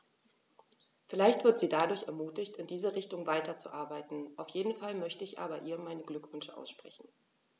Vielleicht wird sie dadurch ermutigt, in diese Richtung weiterzuarbeiten, auf jeden Fall möchte ich ihr aber meine Glückwünsche aussprechen.